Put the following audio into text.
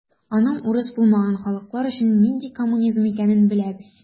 Аның урыс булмаган халыклар өчен нинди коммунизм икәнен беләбез.